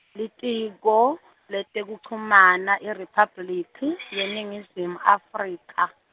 Litiko, letekuchumana IRiphabliki, yeNingizimu Afrika.